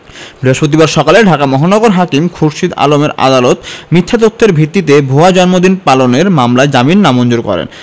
বৃহস্পতিবার সকালে ঢাকা মহানগর হাকিম খুরশীদ আলমের আদালত মিথ্যা তথ্যের ভিত্তিতে ভুয়া জন্মদিন পালনের মামলায় জামিন নামঞ্জুর করেন